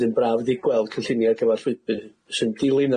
Wedyn braf ydi gweld cynlluniau ar gyfar llwybyr sy'n dilyn